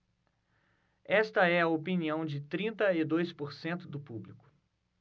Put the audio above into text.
esta é a opinião de trinta e dois por cento do público